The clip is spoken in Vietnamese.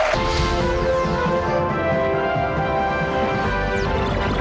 ngô